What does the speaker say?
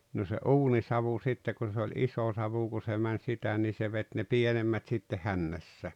no se uunisavu sitten kun se oli iso savu kun se meni sitä niin se veti ne pienemmät sitten hännässä